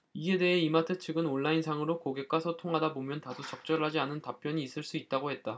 이에 대해 이마트 측은 온라인상으로 고객과 소통하다보면 다소 적절하지 않은 답변이 있을 수 있다고 했다